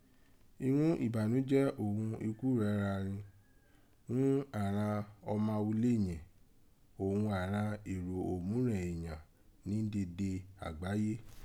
Irun ìbanọ́jẹ́ òghun ikú rẹ gha rin ghún àghan ọma ulé yẹ̀n òghun àghan èrò òmúrẹ̀n eeyan ni dede agbáyé.